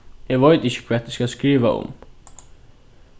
eg veit ikki hvat eg skal skriva um